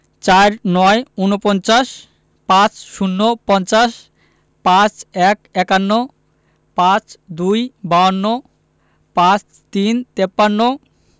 ৪৯ – উনপঞ্চাশ ৫০ - পঞ্চাশ ৫১ – একান্ন ৫২ - বাহান্ন ৫৩ - তিপ্পান্ন